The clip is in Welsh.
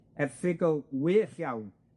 ###erthygyl wych iawn